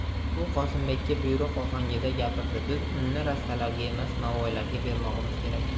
u qosimbekka buyruq ohangida gapirdi biz unni rastalarga emas novvoylarga bermog'imiz kerak